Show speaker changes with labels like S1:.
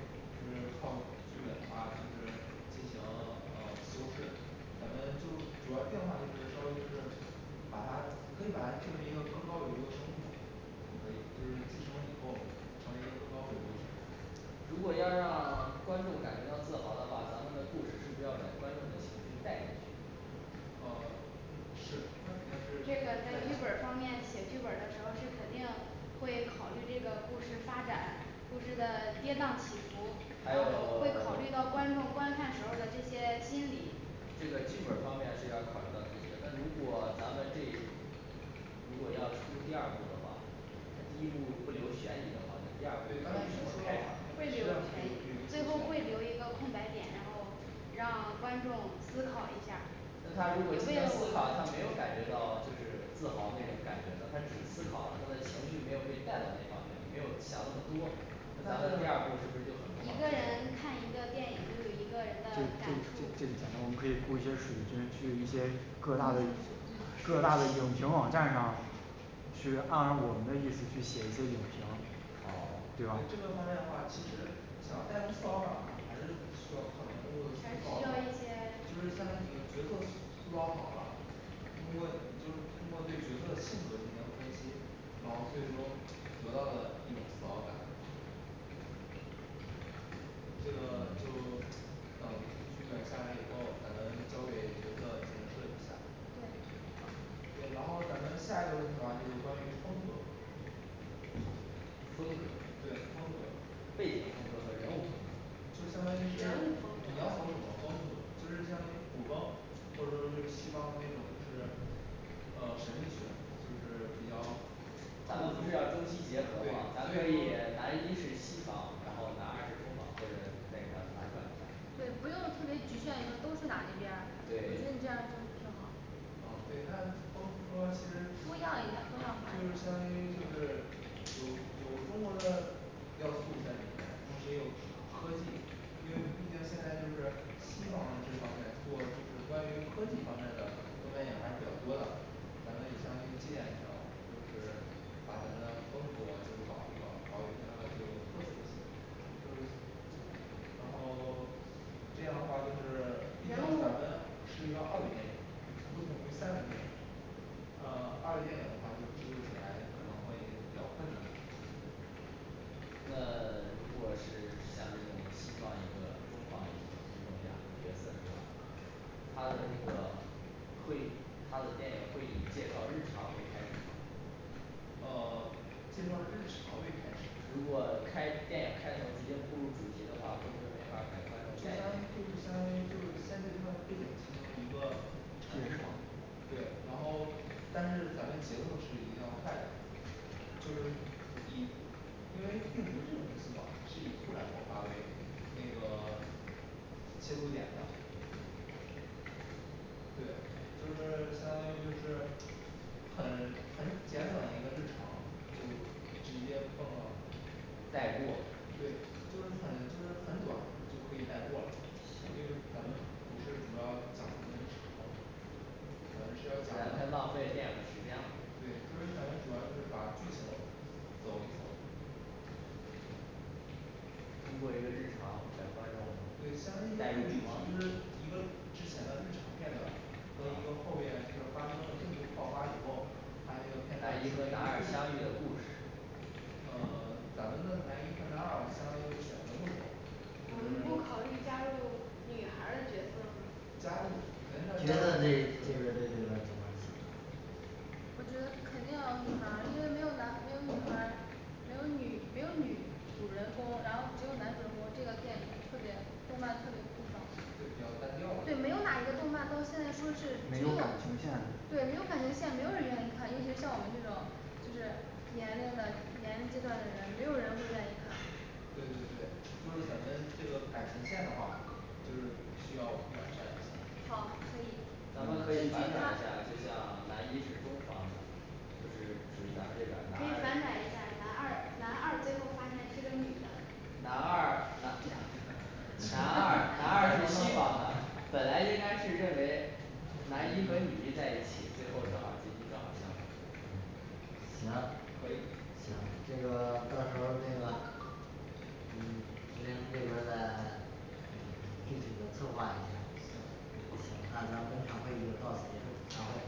S1: 就是靠剧本的话就是进行嗯修饰，咱们就主要变化就是稍微就是把他可以把它定为一个更高维度的生物嘛，也可以就是寄生以后成为一个更高维度的生物
S2: 如果要让观众感觉到自豪的话，咱们的故事是不是要把观众的情绪带进去？
S1: 嗯是那肯定是
S2: 就
S3: 这
S2: 是，
S3: 个在剧
S2: 在
S3: 本方面写剧本儿的时候，是肯定会考虑这个故事发展，故事的跌宕起伏
S2: 还
S3: 然
S2: 有
S3: 后会考虑到 观众观看时候的这些心理
S2: 这个剧本儿方面是要考虑到这些，但如果想在这如果要出第二部的话，它第一部不留悬疑的话，那
S1: 刚开始不
S2: 第二部
S1: 是说了吗
S3: 最后会留一个空白点，然后让观众思考一下
S2: 但她如果进行思考的话没有感觉到就是自豪那种感觉的，他只思考了他的情绪没有被带到那方面，没有想那么多。 那咱们第二部是不是就很不好
S3: 一个人看一个电影就有一个人的感触
S4: 就是说我们可以通过一些水军去一些各大的各大这种小网站上去按我们的意思去写一些影评，
S2: 哦
S1: 这
S2: 这
S1: 个
S2: 样
S1: 方面的话其实想要带动自豪感，还是需要靠人物的
S3: 还是
S1: 塑造，
S3: 需要一些
S1: 就是在你的角色塑造好了通过就是通过对角色性格进行分析，然后最终得到了一种自豪感。这个就等剧本下来以后，咱们交给角色进行设计一下
S5: 对。
S1: 对然后咱们下一个问题的话，就是关于风格。
S2: 风格
S1: 对
S2: 背景
S1: 风
S2: 风格和人
S1: 格
S2: 物风格
S1: 就相当
S5: 人
S1: 于是
S5: 物风
S1: 你要
S5: 格
S1: 走什么风格，就是相当于古风或者说就是西方的那种就是呃神秘就是比较
S2: 咱们不是要中西结合嘛，咱可以男一是西方，然后男二是东方，或者再给它反转一下儿，
S3: 对
S2: 对，
S3: 不用特别局限你们都是哪一边儿。
S1: 哦对那风格其实就
S3: 多
S1: 相
S3: 样一点多样
S1: 当于就是有有中国的要素部分同时又有科技因为毕竟现在就是西方这方面做就是关于科技方面的动漫电影还是比较多的咱们也相当于纪念一下就是把咱们的风格就是搞一搞搞一个有特色一些就是然后 这样的话就是毕竟
S3: 人物
S1: 咱们是一个二维电影，不同于三维电影呃二维电影的话就是制作起来可能会比较困难。
S2: 那如果是像这种西方一个东方一个这种两个角色的是吧他的那个会以他的电影会以介绍日常为开始
S1: 哦介绍日常为开始，
S2: 如果开始电影开头直接步入主题的话，会不会没法儿把观众
S1: 就
S2: 带
S1: 相
S2: 进
S1: 当于
S2: 去
S1: 就相当于先对他的背景进行一个阐述吧对然后但是咱们节奏是一定要快的
S6: 就是第一，因为并没有这个公司的话是以拓展方法为那个切入点的。
S2: 对，就是相当于就是很很简短的一个日常，就直接放到带过
S1: 对就是很就是很短就可以带过了，，因
S2: 行
S1: 为咱们不是主要讲的是什么咱们
S6: 那
S1: 需要讲
S6: 样
S1: 对
S6: 太，
S1: 咱们
S6: 浪费电影儿的时
S1: 主
S6: 间了
S1: 要就是把剧情走一走
S2: 通过一个日常来观众
S1: 相
S2: 带
S1: 当
S2: 入
S1: 于
S2: 病
S1: 一
S2: 情
S1: 个
S2: 嗯，
S1: 就
S2: 还
S1: 是一个之前的日常片
S2: 有
S1: 段，和一个后面就是发生了病毒爆发以后，他这个片
S2: 男一
S1: 段
S2: 和男二相遇的故事
S1: 像咱们的男一和男二号相当于选择不
S5: 我们不
S1: 同
S5: 考虑
S1: 就是，
S5: 加
S1: 加入
S5: 入女孩儿的角色吗？
S7: 角色这这个这个有什么想说
S5: 我觉得肯定要有女孩儿现在没有男没有女孩儿，没有女没有女主人公，然后只有男主人公这个电影特别动漫特别不爽
S1: 对，比较单调
S5: 对，没有
S1: 了
S5: 哪一个动漫到现在就是,对没
S4: 没有
S5: 有
S4: 感
S5: 感
S4: 情
S5: 情
S4: 线了
S5: 线没有人愿意看因为像我们这种就是年龄的年龄阶段的人没有人愿意看
S1: 对对对就是咱们这个感情线的话就是需要完善一下。
S5: 好可以
S2: 咱们可以反转一下，就像男一是东方的就是属于咱们这边儿的。
S5: 可
S2: 男
S5: 以
S2: 二男
S5: 反转
S2: 二
S5: 一下男二 男
S2: 男
S5: 二最后发现是个女的。
S2: 二男二是西方的。本来应该是认为男一和女一在一起，最后正好结局正好儿相反
S7: 行
S1: 可以，
S7: 行，这个到时候那个不行那个在嗯具体的策划一下儿
S1: 行,
S7: 嗯行那咱本场会议就到此结束，散会。